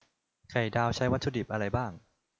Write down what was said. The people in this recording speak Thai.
ไข่ดาวใช้วัตถุดิบอะไรบ้าง